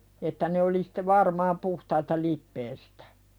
että ne oli sitten varmaan puhtaita lipeästä